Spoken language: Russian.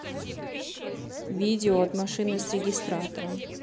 видео от машины с регистратором